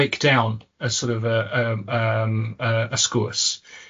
break down y sor' of y yym yym yy y sgwrs